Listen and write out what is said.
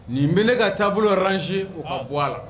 Ninb ka taabolo ransi bɔ a la